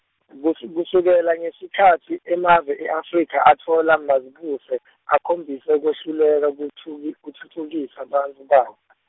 kusi- kusukela ngesikhatsi emave e-Afrika atfola mazibuse , akhombise kwehluleka kutfutfuki- kutfutfukisa bantfu bawo .